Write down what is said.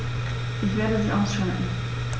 Ich werde sie ausschalten